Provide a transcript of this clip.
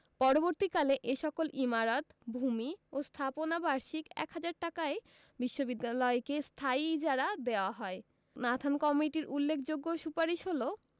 পরবর্তীকালে এ সকল ইমারত ভূমি ও স্থাপনা বার্ষিক এক হাজার টাকায় বিশ্ববিদ্যালয়কে স্থায়ী ইজারা দেওয়া হয় নাথান কমিটির উল্লেখযোগ্য সুপারিশ হলো